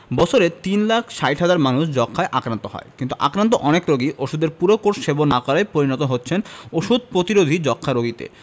বছরে তিন লাখ ৬০ হাজার মানুষ যক্ষ্মায় আক্রান্ত হয় কিন্তু আক্রান্ত অনেক রোগী ওষুধের পুরো কোর্স সেবন না করায় পরিণত হচ্ছেন ওষুধ প্রতিরোধী যক্ষ্মা রোগীতে